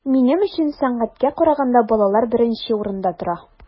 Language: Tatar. Минем өчен сәнгатькә караганда балалар беренче урында тора.